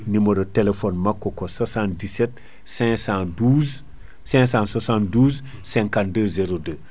numéro téléphone makko ko 77 512 572 52 02